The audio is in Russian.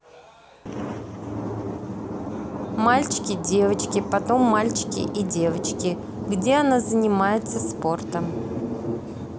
мальчики девочки потом мальчики и девочки где она занимается спортом